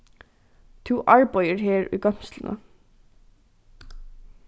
tú arbeiðir her í goymsluni